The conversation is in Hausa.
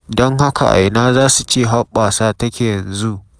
Don haka a ina za su ce hoɓɓasan take yanzu?